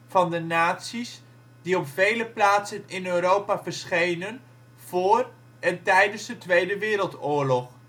van de nazi 's die op vele plaatsen in Europa verschenen voor en tijdens de Tweede Wereldoorlog